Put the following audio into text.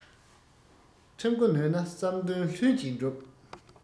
ཁྲིམས འགོ ནོན ན བསམ དོན ལྷུན གྱིས འགྲུབ